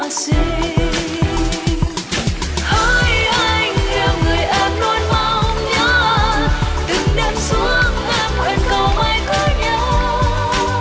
xinh hỡi anh yêu người em luôn mong nhớ từng đêm suốt em nguyện cầu mãi có nhau